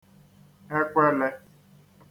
ekwelē